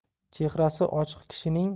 chehrasi ochiq kishining